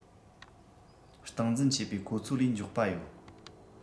སྟངས འཛིན བྱེད པའི ཁོ ཚོ ལས མགྱོགས པ ཡོད